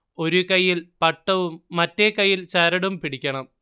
ഒരു കൈയ്യിൽ പട്ടവും മറ്റേ കൈയിൽ ചരടും പിടിക്കണം